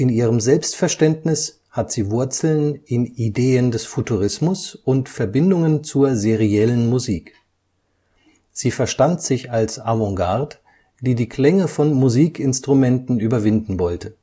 ihrem Selbstverständnis hat sie Wurzeln in Ideen des Futurismus und Verbindungen zur seriellen Musik. Sie verstand sich als Avantgarde, die die Klänge von Musikinstrumenten überwinden wollte